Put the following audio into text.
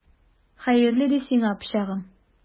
Хәерле ди сиңа, пычагым!